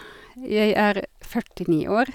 Jeg er førtini år.